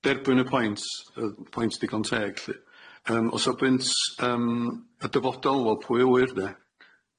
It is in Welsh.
derbyn y pwynt yy pwynt digon teg 'lly yym o safbwynt yym y dyfodol wel pwy a wyr de?